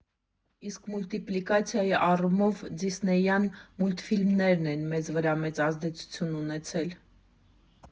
Իսկ մուլտիպլիկացիայի առումով Դիսնեյյան մուլտֆիլմներն են մեզ վրա մեծ ազդեցություն ունեցել։